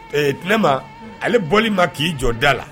Ee tile ma ale bɔli ma k'i jɔ da la